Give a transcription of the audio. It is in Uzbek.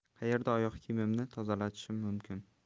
qayerda oyoq kiyimimni tozalatishim mumkin